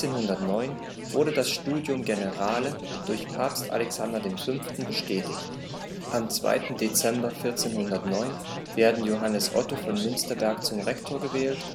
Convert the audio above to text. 1409 wurde das „ Studium generale “durch Papst Alexander V. bestätigt. Am 2. Dezember 1409 werden Johannes Otto von Münsterberg zum Rektor gewählt